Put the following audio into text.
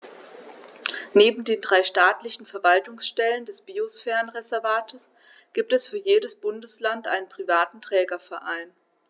Neben den drei staatlichen Verwaltungsstellen des Biosphärenreservates gibt es für jedes Bundesland einen privaten Trägerverein.